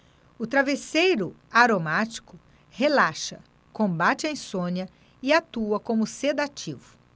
o travesseiro aromático relaxa combate a insônia e atua como sedativo